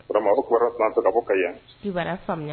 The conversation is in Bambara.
Bara kora tanta ka yan